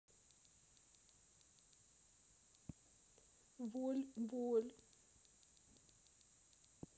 воль воль